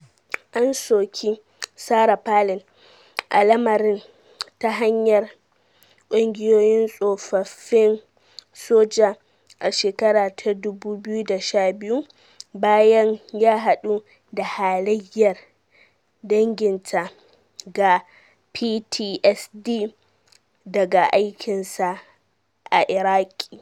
An soki Sarah Palin a lamarin ta hanyar kungiyoyin tsofaffin soja a shekara ta 2016 bayan ya haɗu da halayyar danginta ga PTSD daga aikinsa a Iraki.